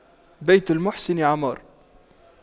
بيت المحسن عمار